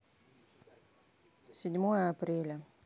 седьмое апреля